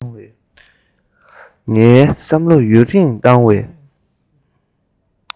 ངས བསམ བློ ཡུན རིང བཏང བའི